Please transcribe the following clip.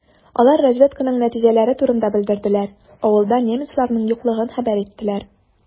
Алар разведканың нәтиҗәләре турында белдерделәр, авылда немецларның юклыгын хәбәр иттеләр.